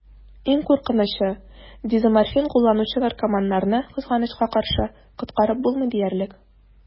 Иң куркынычы: дезоморфин кулланучы наркоманнарны, кызганычка каршы, коткарып булмый диярлек.